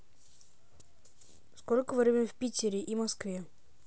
сколько время в питере и москве